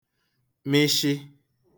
mịshị